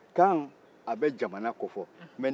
mɛ ka a bɛ jamana ko fɔ